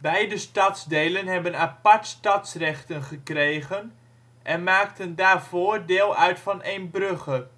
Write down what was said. Beide stadsdelen hebben apart stadsrechten gekregen en maakten daarvoor deel uit van Eembrugge